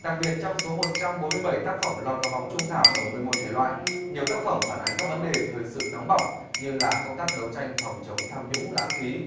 đặc biệt trong số một trăm bốn mươi bảy tác phẩm lọt vào vòng chung khảo ở mười một thể loại nhiều tác phẩm phản ánh các vấn đề thời sự nóng bỏng như là công tác đấu tranh phòng chống tham nhũng lãng phí